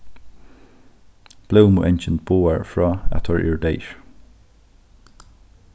blómuangin boðar frá at teir eru deyðir